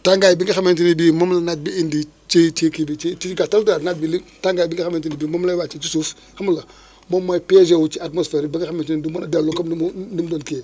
tàngaay bi nga xamante ne bi moom la naaj bi indi ci ci kii bi ci gàttal daal naaj bi li tàngaay bi nga xamante ne bi moom lay wàcce ci suuf xam nga moom mooy piégé wu ci atmosphère bi ba nga xamante ne bi du mën a dellu comme ni mu ni mu doon kii yee